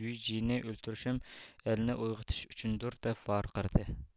يۇي جىنى ئۆلتۈرۈشۈم ئەلنى ئويغىتىش ئۈچۈندۇر دەپ ۋارقىرىدى